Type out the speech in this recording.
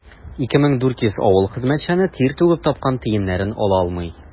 2400 авыл хезмәтчәне тир түгеп тапкан тиеннәрен ала алмый.